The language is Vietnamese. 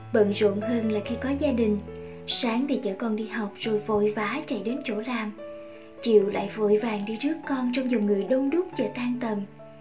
bận rộn hơn là khi có gia đình sáng thì chở con đi học rồi vội vã chạy đến chỗ làm chiều lại vội vàng đi rước con trong dòng người đông đúc giờ tan tầm